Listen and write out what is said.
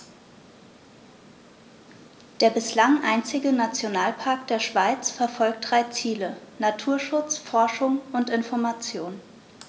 Der bislang einzige Nationalpark der Schweiz verfolgt drei Ziele: Naturschutz, Forschung und Information.